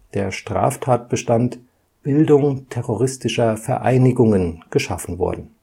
der Straftatbestand „ Bildung terroristischer Vereinigungen “geschaffen worden